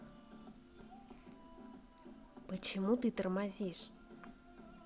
почему ты тормозишь